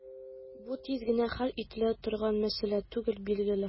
Бу тиз генә хәл ителә торган мәсьәлә түгел, билгеле.